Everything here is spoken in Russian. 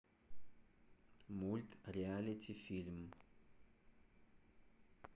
мульт реалити фильм